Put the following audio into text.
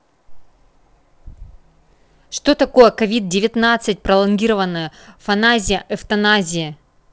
что такое covid девятнадцать пролонгированная фаназия эвтаназия